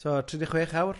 So, tri deg chwech awr?